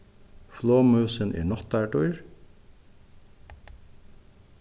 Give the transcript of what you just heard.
flogmúsin er náttardýr